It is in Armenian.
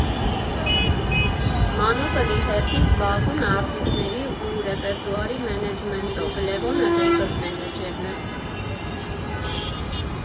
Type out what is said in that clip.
Մանուկն իր հերթին զբաղվում է արտիստների ու ռեպերտուարի մենեջմենթով, Լևոնը լեյբլ մենեջերն է։